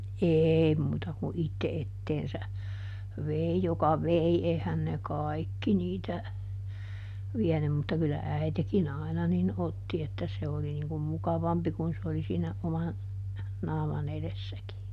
ei muuta kuin itse eteensä vei joka vei eihän ne kaikki niitä vienyt mutta kyllä äitikin aina niin otti että se oli niin kuin mukavampi kun se oli siinä oman naaman edessäkin